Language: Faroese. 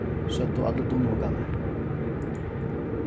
søgdu allir dunnuungarnir